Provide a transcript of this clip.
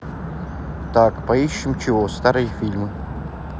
так поищем чего старые фильмы